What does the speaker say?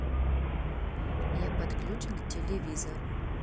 я подключен к телевизору